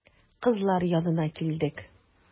Кызлар янына килдек.